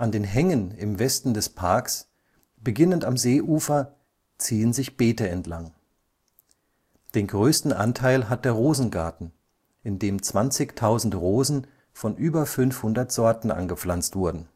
den Hängen im Westen des Parks, beginnend am Seeufer, ziehen sich Beete entlang. Den größten Anteil hat der Rosengarten, in dem 20.000 Rosen von über 500 Sorten angepflanzt wurden